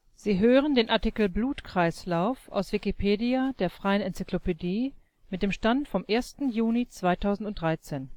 Sie hören den Artikel Blutkreislauf, aus Wikipedia, der freien Enzyklopädie. Mit dem Stand vom Der